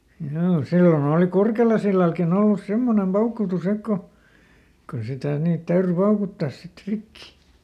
joo silloin oli Kurkelansillallakin ollut semmoinen paukutus että kun kun sitä niitä täytyi paukuttaa sitten rikki